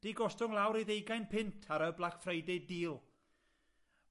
'di gostwng lawr i ddeugain punt ar y Black Friday deal.